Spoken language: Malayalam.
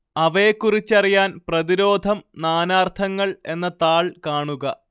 അവയെക്കുറിച്ചറിയാന്‍ പ്രതിരോധം നാനാര്‍ത്ഥങ്ങള്‍ എന്ന താള്‍ കാണുക